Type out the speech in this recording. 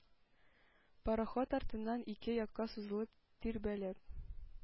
Пароход артыннан ике якка сузылып-тирбәлеп